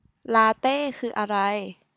ลาเต้คืออะไร